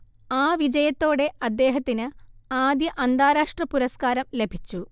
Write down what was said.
ആ വിജയത്തോടെ അദ്ദേഹത്തിന് ആദ്യ അന്താരാഷ്ട്ര പുരസ്കാരം ലഭിച്ചു